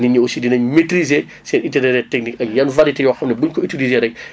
nit ñi aussi dinañ maitriser seen ittinéraire technique ak yan varité yoo xam ne buñ ko utiliser rek